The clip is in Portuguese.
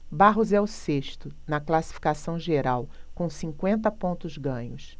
barros é o sexto na classificação geral com cinquenta pontos ganhos